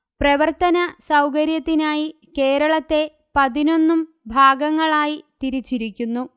പ്രവർത്തന സൗകര്യത്തിനായി കേരളത്തെ പതിനൊന്നും ഭാഗങ്ങളായി തിരിച്ചിരുന്നു